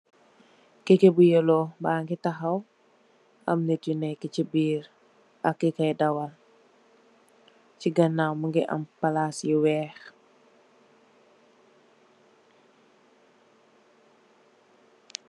Keke bu yello ba'ngi taxaw am nit yu nekka ci biir ak ki koy dawal, ci ganaw mugii am palas yu wèèx .